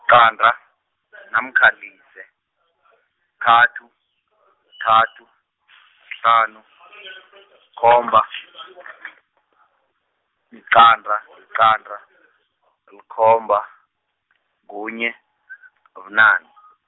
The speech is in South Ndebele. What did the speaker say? liqanda, namkha lize , -thathu , ku-thathu kuhlanu , khomba, liqanda, liqanda, likhomba, kunye , bunane.